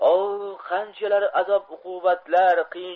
o qanchalar azob uqubatlar